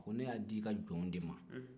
a ko ne y'a d'i ka jɔnw de ma